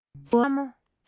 རྒྱུ བ ཕྲ མོ